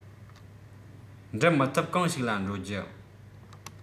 འགྲུབ མི ཐུབ གང ཞིག ལ འགྲོ རྒྱུ